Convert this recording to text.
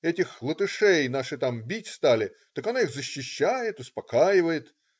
Этих латышей наши там бить стали, так она их защищает, успокаивает.